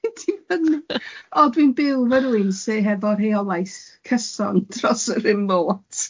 O dwi'n byw efo rywun sy hefo rheolaeth cyson dros y riwmot.